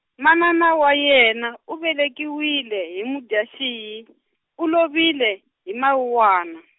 manana wa yena u velekiwile hi Mudyaxihi , u lovile hi Mawuwana.